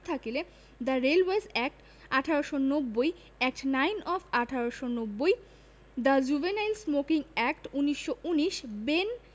থাকিলে the Railways Act ১৮৯০ act nine of ১৮৯০ the Juvenile Smoking Act ১৯১৯ Ben